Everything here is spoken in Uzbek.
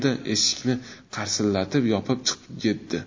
eshikni qarsillatib yopib chiqib ketdi